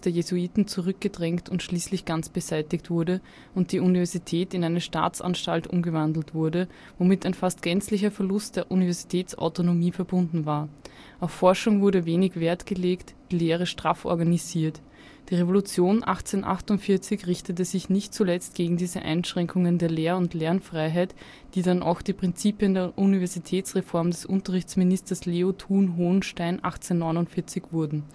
Jesuiten zurückgedrängt und schließlich ganz beseitigt wurde und die Universität in eine Staatsanstalt umgewandelt wurde, womit ein fast gänzlicher Verlust der Universitätsautonomie verbunden war. Auf Forschung wurde wenig Wert gelegt, die Lehre straff organisiert. Die Revolution 1848 richtete sich nicht zuletzt gegen diese Einschränkungen der Lehr - und Lernfreiheit, die dann auch die Prinzipien der Universitätsreform des Unterrichtsministers Leo Thun-Hohenstein 1849 wurden